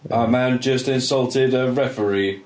A man just assaulted a referee.